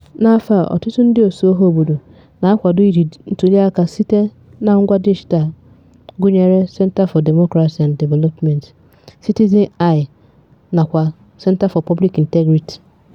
N'afọ a, ọtụtụ ndịòtù ọhaobodo na-akwadokwa iji nyochaa ntuliaka site na ngwa dijitaalụ, gụnyere Center for Democracy and Development, Citizen's Eye nakwa Center for Public Integrity.